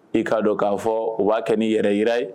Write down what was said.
I kaa dɔn ka fɔ u ba kɛ nin yɛrɛ yira ye.